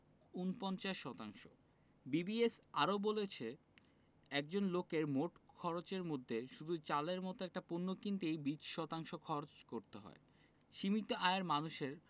৪৯ শতাংশ বিবিএস আরও বলেছে একজন লোকের মোট খরচের মধ্যে শুধু চালের মতো একটা পণ্য কিনতেই ২০ শতাংশ খরচ করতে হয় সীমিত আয়ের মানুষের